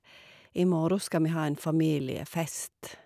I morgen skal vi ha en familiefest.